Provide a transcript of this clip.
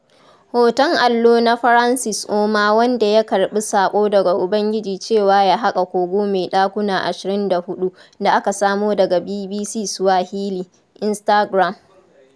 Hoton allo na Francis Ouma wanda ya karɓi saƙo daga Ubangiji cewa ya haƙa kogo mai ɗakuna 24 da aka samo daga BBC Swahili / Instagram.